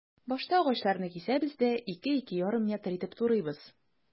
Башта агачларны кисәбез дә, 2-2,5 метр итеп турыйбыз.